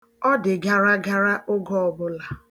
Ọ dị garagara oge ọbụla